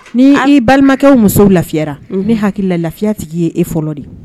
N'' balimakɛw musow lafiyayara ne hakilila lafiya tigi ye e fɔlɔ de ye